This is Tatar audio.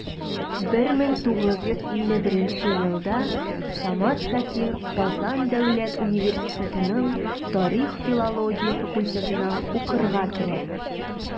1951 елда самат шакир казан дәүләт университетының тарих-филология факультетына укырга керә.